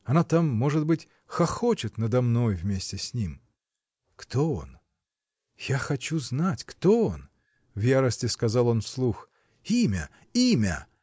Она там, может быть, хохочет надо мной вместе с ним. Кто он? Я хочу знать — кто он? — в ярости сказал он вслух. — Имя, имя!